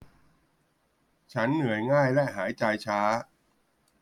ฉันเหนื่อยง่ายและหายใจช้า